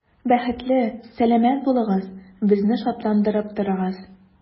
Бәхетле, сәламәт булыгыз, безне шатландырып торыгыз.